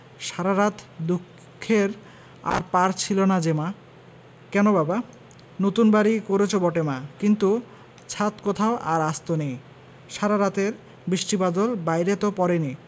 সারা রাত দুঃখের আর পার ছিল না যে মা কেন বাবা নতুন বাড়ি করেচ বটে মা কিন্তু ছাত কোথাও আর আস্ত নেই সারা রাতের বৃষ্টি বাদল বাইরে ত পড়েনি